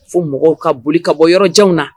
Fo mɔgɔw ka boli ka bɔ yɔrɔ janw na